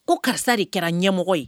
Ko karisa de kɛra ɲɛmɔgɔ ye